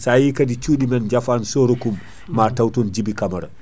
sa yeehi kadi cuɗimen Diafane Soro Kumba ma taw ton Djiby Camara